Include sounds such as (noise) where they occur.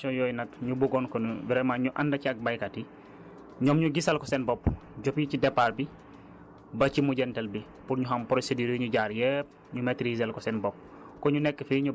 donc informations yooyu nag ñu buggoon ko ñu vraiement ñu ànd caag baykat yi ñoom ñu gisal ko seen bopp (noise) depuis ci départ bi ba ci mujjanteel bi pour ñu xam procédures yi ñu jaar yépp ñu maitriser ko seen bopp